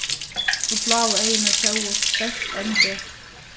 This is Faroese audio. og bláu eyguni sóust bert enn betur